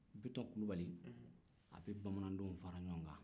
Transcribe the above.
biton kulubali a bɛ bamandenw fara ɲɔgɔn kan